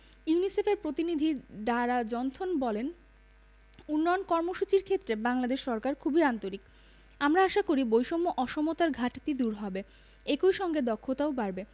ইউনিসেফের প্রতিনিধি Dara Johnston বলেন উন্নয়ন কর্মসূচির ক্ষেত্রে বাংলাদেশ সরকার খুবই আন্তরিক আমরা আশা করি বৈষম্য অসমতার ঘাটতি দূর হবে একই সঙ্গে দক্ষতাও বাড়বে